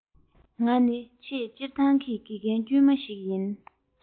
ང ནི ཆེས སྤྱིར བཏང གི དགེ རྒན དཀྱུས མ ཞིག ཡིན